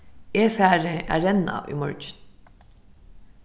eg fari at renna í morgin